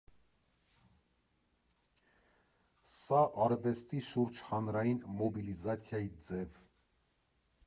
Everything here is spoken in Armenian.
Սա արվեստի շուրջ հանրային մոբիլիզացիայի ձև։